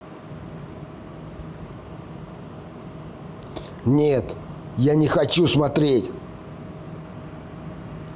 нет я не хочу смотреть